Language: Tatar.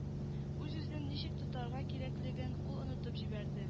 Үз-үзен ничек тотарга кирәклеген ул онытып җибәрде